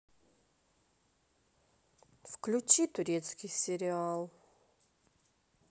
включи турецкий сериал